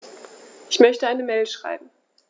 Ich möchte eine Mail schreiben.